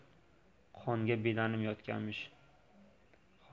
qonga belanib yotganmish